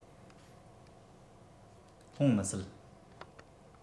ལྷུང མི སྲིད